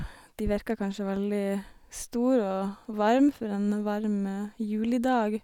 De virker kanskje veldig stor og varm for en varm julidag.